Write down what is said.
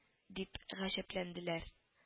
Дип гаҗәпләнделәр